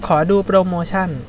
ขอดูโปรโมชั่น